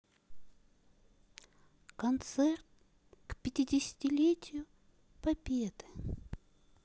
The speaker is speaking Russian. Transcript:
концерт к пятидесятилетию победы